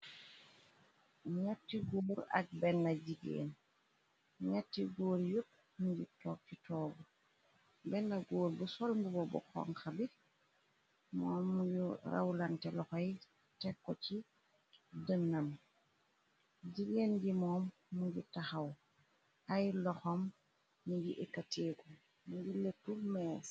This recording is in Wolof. ñatti góor ak benna jigéen ñatti góor yupp munju togci toog benna góor bu solmbubo bu xonxa bi moom muyu rawlante loxoy tekku ci dënam jigéen di moom munju taxaw ay loxam ningi ekkatéeku mingi lékku mees